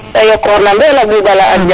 te yokor no mbela ɓuɓala aldjana